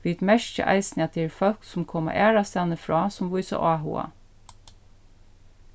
vit merkja eisini at tað eru fólk sum koma aðrastaðni frá sum vísa áhuga